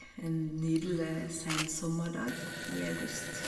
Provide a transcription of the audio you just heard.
En nydelig seinsommerdag i august.